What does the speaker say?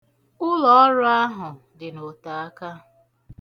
Ụlọọrụ ahụ dị n'otaaka.